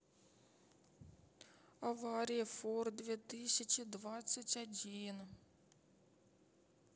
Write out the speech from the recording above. аварии фур две тысячи двадцать один